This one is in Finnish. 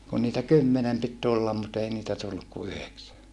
kun niitä kymmenen piti tulla mutta ei niitä tullut kuin yhdeksän